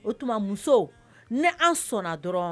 O tuma muso ne an sɔnna dɔrɔn